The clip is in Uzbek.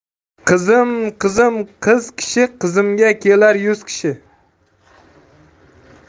qizim qizim qiz kishi qizimga kelar yuz kishi